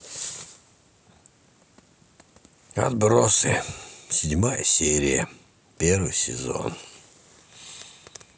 отбросы седьмая серия первый сезон